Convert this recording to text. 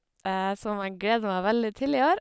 Som jeg gleder meg veldig til i år.